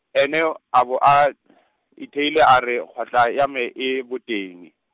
ene, a bo a , itheile a re kgwatlha ya me e, boteng.